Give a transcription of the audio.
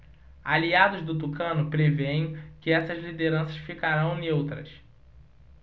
aliados do tucano prevêem que essas lideranças ficarão neutras